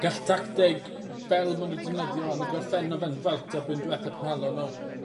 gall tacteg fel ma' n'w defnyddio yn y gorffennol fel 'n Vuelta blwyddyn dwetha pan o'n n'w